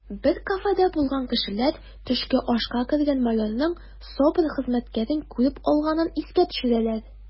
Бер кафеда булган кешеләр төшке ашка кергән майорның СОБР хезмәткәрен күреп алганын искә төшерәләр: